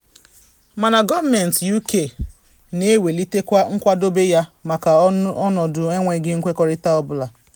Mana Gọọmentị UK na ewelitekwa nkwadobe ya maka ọnọdụ enweghị nkwekọrịta ọ bụla.